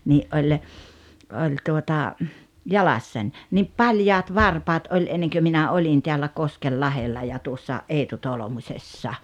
niin oli oli tuota jalassani niin paljaat varpaat oli ennen kuin minä olin täällä Koskenlahdella ja tuossa Eetu Tolmusessa